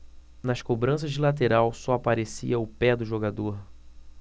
nas cobranças de lateral só aparecia o pé do jogador